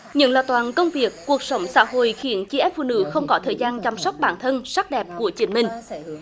những lo toan công việc cuộc sống xã hội khiến chị em phụ nữ không có thời gian chăm sóc bản thân sắc đẹp của chính mình